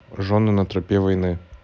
жены на тропе войны